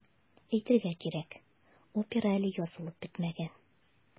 Әйтергә кирәк, опера әле язылып бетмәгән.